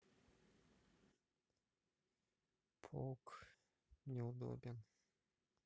полк неудобен